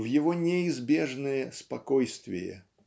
в его неизбежное спокойствие.